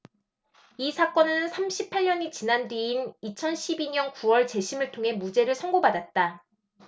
이 사건은 삼십 팔 년이 지난 뒤인 이천 십 이 년 구 월 재심을 통해 무죄를 선고받았다